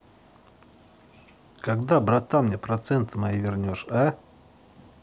когда братан мне проценты мои вернешь а